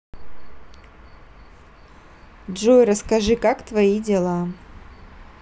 джой расскажи как твои дела